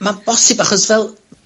Ma''n bosib achos fel